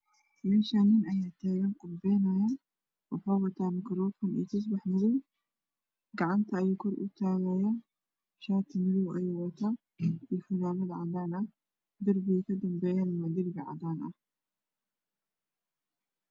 Meeshaani nin ayaa taagan oo khudbeynayo waxuu wataa makaroofan iyo tusbax madow ah gacanta ayuu kor utaagaya shaati madow ah ayuu wataa iyo fanaanad cadaan ah darbiga ka dambeeyana waa darbi cadaan ah.